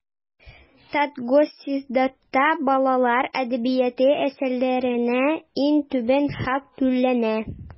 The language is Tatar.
Татгосиздатта балалар әдәбияты әсәрләренә иң түбән хак түләнә.